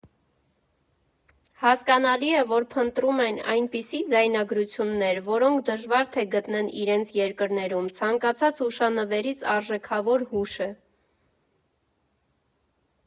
Հասկանալի է, որ փնտրում են այնպիսի ձայնագրություններ, որոնք դժվար թե գտնեն իրենց երկրներում՝ ցանկացած հուշանվերից արժեքավոր հուշ է։